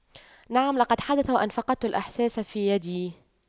نعم لقد حدث وأن فقدت الإحساس في يدي